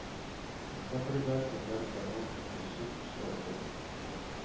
Сентябрьгә кадәр дәвам итәчәк эшләрбез